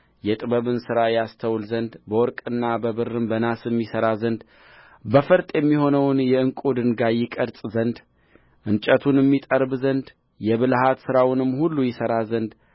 የጥበብን ሥራ ያስተውል ዘንድ በወርቅና በብር በናስም ይሠራ ዘንድ በፈርጥ የሚሆነውን የዕንቍ ድንጋይ ይቀርጽ ዘንድ እንጨቱንም ይጠርብ ዘንድ የብልሃት ሥራውንም ሁሉ ይሠራ ዘንድ